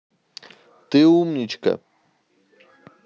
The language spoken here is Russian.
ты умничка